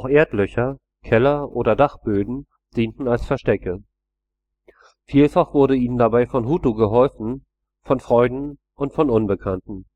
Erdlöcher, Keller oder Dachböden dienten als Verstecke. Vielfach wurde ihnen dabei von Hutu geholfen, von Freunden und Unbekannten